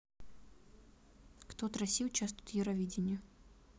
кто от россии участвует в евровидении